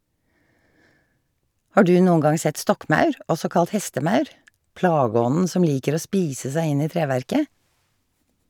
Har du noen gang sett stokkmaur, også kalt hestemaur, plageånden som liker å spise seg inn i treverket?